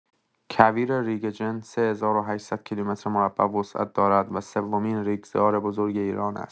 کویر ریگ جن ۳ هزار و ۸۰۰ کیلومترمربع وسعت دارد و سومین ریگزار بزرگ ایران است.